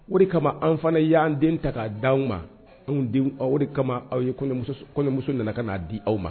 O de kama an fana yan den ta k'a di anw ma anw denw o kama aw yemuso nana ka'a di aw ma